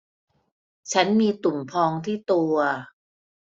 ฉันมีตุ่มพองที่ตัว